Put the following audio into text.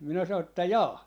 minä sanoin että jaa